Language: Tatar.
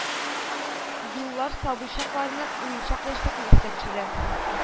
Юллар сабый чакларны, уенчак яшьлекне искә төшерә